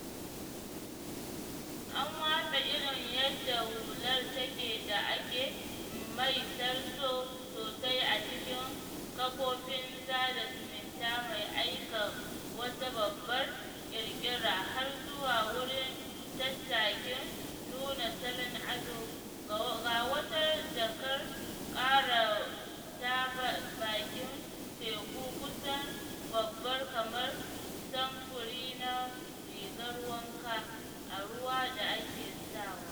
An watsa irin yadda hular take da ake maitar so sosai a cikin kafofin sada zumunta mai aika wata babbar kirkira har zuwa wurin tattakin nuna salon ado - ga wata jakar kara ta bakin teku kusan babba kamar samfuri na rigar wanka a ruwa da ake sawa.